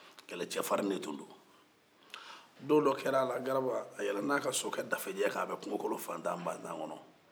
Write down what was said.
kɛlɛcɛfarin de tun do don dɔ kɛra la garaba a yɛlɛla a ka sokɛ dafejɛ kan a bɛ kungo kolon fatan batan kɔnɔ